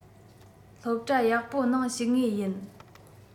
སློབ གྲྭ ཡག པོ ནང ཞུགས ངེས ཡིན